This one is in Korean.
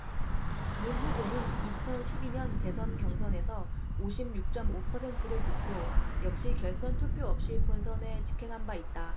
문 후보는 이천 십 이 년 대선 경선에서 오십 육 쩜 오 퍼센트를 득표 역시 결선투표 없이 본선에 직행한 바 있다